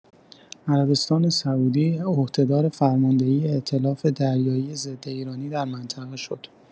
عربستان سعودی عهده‌دار فرماندهی ائتلاف دریایی ضدایرانی در منطقه شد.